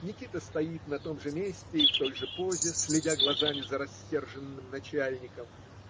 Никита стоит на том же месте и в той же позе, следя глазами за рассерженным начальником.